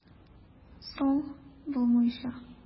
Соң, булмыйча!